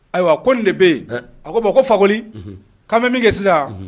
Ayiwa ko nin de be ye ɛ a k'o ma ko Fakoli unhun k'an be min kɛ sisan unhun